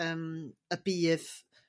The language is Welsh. yym y bydd